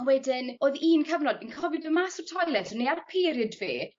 a wedyn o'dd un cyfnod fi'n cofio do' mas o'r toiled o'n i ar period fi